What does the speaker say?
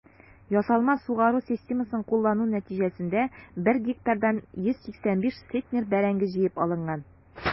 Ясалма сугару системасын куллану нәтиҗәсендә 1 гектардан 185 центнер бәрәңге җыеп алынган.